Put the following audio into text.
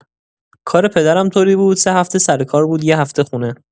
کار پدرم طوری بود ۳ هفته سرکار بود ۱هفته خونه.